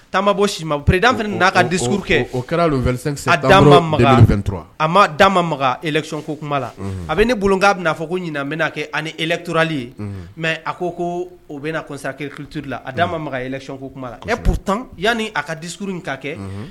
Tan bɔ si ma perere dan n'a ka di suru kɛ o kɛra' ma a ma d'a ma makanconko kuma la a bɛ ne bolo kkana bɛ'a fɔ ko ɲinin n bɛ' kɛ ani eturali ye mɛ a ko ko o bɛ na ko ki kituuru la a d'a maconko kuma la e ku tan yanani a ka di suru in ka kɛ